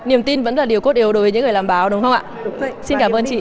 niềm tin vẫn là điều cốt yếu đối với những người làm báo đúng không ạ đúng vậy xin cảm ơn chị